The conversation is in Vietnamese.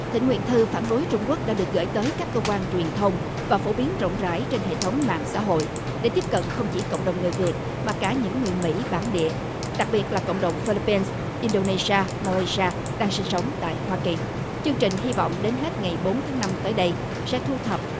thỉnh nguyện thư phản đối trung quốc đã được gửi tới các cơ quan truyền thông và phổ biến rộng rãi trên hệ thống mạng xã hội để tiếp cận không chỉ cộng đồng người việt mà cả những người mỹ bản địa đặc biệt là cộng đồng phi líp phin in đô nê si a ma lay si a đang sinh sống tại hoa kỳ chương trình hy vọng đến hết ngày bốn tháng năm tới đây sẽ thu thập